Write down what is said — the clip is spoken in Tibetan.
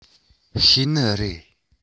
ཤེས ནི རེད